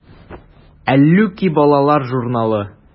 “әллүки” балалар журналы.